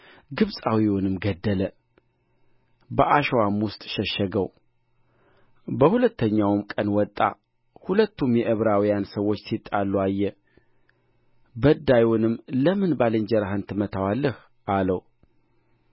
ግብፃዊውንም ገደለ በአሸዋም ውስጥ ሸሸገው በሁለተኛውም ቀን ወጣ ሁለቱም የዕብራውያን ሰዎች ሲጣሉ አየ በዳዩንም ለምን ባልንጀራህን ትመታዋለህ አለው